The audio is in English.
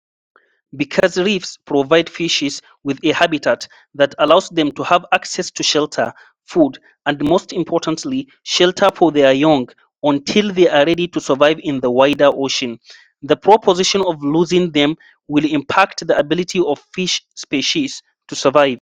Because reefs provide fishes with a habitat that allows them to have access to shelter, food and most importantly, shelter for their young until they are ready to survive in the wider ocean, the proposition of losing them will impact the ability of fish species to survive.